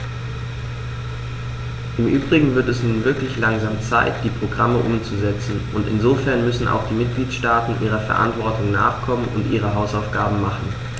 Im übrigen wird es nun wirklich langsam Zeit, die Programme umzusetzen, und insofern müssen auch die Mitgliedstaaten ihrer Verantwortung nachkommen und ihre Hausaufgaben machen.